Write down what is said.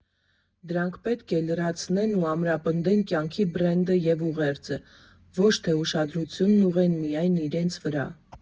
Դրանք պետք է լրացնեն ու ամրապնդեն կայքի բրենդը և ուղերձը, ոչ թե ուշադրությունն ուղղեն միայն իրենց վրա։